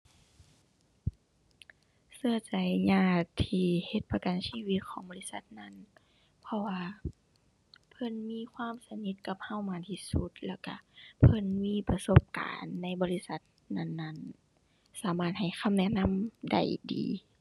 เชื่อใจญาติที่เฮ็ดประกันชีวิตของบริษัทนั้น เพราะว่าเพิ่นมีความสนิทกับเชื่อมากที่สุด แล้วเชื่อเพิ่นมีประสบการณ์ในบริษัทนั้นนั้น สามารถให้คำแนะนำได้ดี